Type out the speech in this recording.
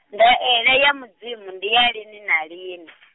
ndaela ya Mudzimu ndi ya lini na lini.